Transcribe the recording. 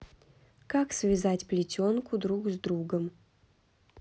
как связать плетенку друг с другом